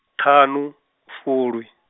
ṱhanu, fulwi.